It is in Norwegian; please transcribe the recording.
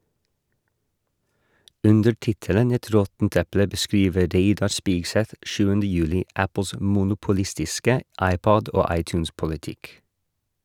Under tittelen «Et råttent eple» beskriver Reidar Spigseth 7. juli Apples monopolistiske iPod- og iTunes-politikk.